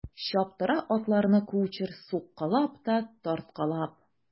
Чаптыра атларны кучер суккалап та тарткалап.